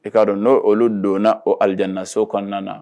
I k'a dɔn n' olu donna o alidnaso kɔnɔna na